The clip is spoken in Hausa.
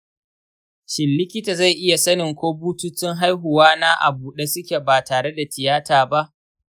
shin likita zai iya sanin ko bututun haihuwa na a buɗe suke ba tare da tiyata ba?